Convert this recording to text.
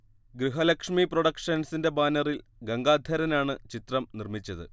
ഗൃഹലക്ഷ്മി പ്രൊഡക്ഷൻസിന്റെ ബാനറിൽ ഗംഗാധരനാണ് ചിത്രം നിർമ്മിച്ചത്